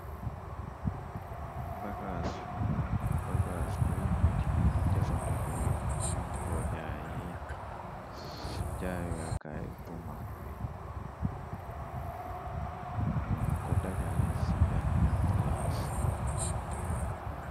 Bagas wi bagaas guy nit yi di jafandekue ñu ko jaayee ci jaayookaay bu mag wi ñu ko dajale ci benn palaas.